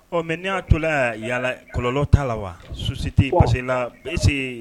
Ɔ mɛ ne y'a to la yaa kɔlɔ ta' la wa susite parcese na parce